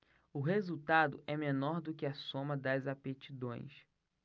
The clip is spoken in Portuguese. o resultado é menor do que a soma das aptidões